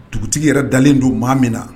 Dugutigi yɛrɛ dalen don maa min na